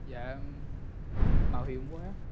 dạ em mạo hiểm quá